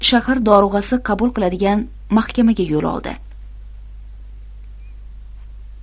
shahar dorug'asi qabul qiladigan mahkamaga yo'l oldi